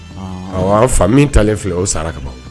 An fa min talen filɛ o sara kaban